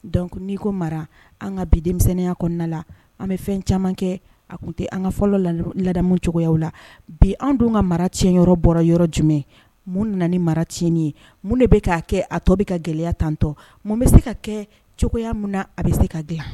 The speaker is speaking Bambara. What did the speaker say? Don n'ko mara an ka bi denmisɛnninya kɔnɔna la an bɛ fɛn caman kɛ a tun tɛ an ka fɔlɔ ladamu cogoya la bi anw don ka mara cɛn yɔrɔ bɔra yɔrɔ jumɛn mun nana ni mara tiɲɛni ye mun de bɛ k'a kɛ a tɔ bɛ ka gɛlɛya tantɔ mun bɛ se ka kɛ cogoya min na a bɛ se ka dilan